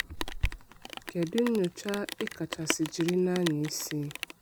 JS: Kedu nnyocha ị kachasị jiri na-anya isi?